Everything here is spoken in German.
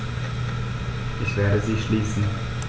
Ich werde sie schließen.